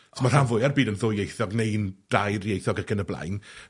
so ma' rhan fwya'r byd yn ddwy-ieithog, neu'n dair-ieithog ac yn y blaen,